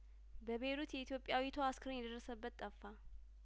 በቤይሩት የኢትዮጵያዊቷ አስክሬን የደረሰበት ጠፋ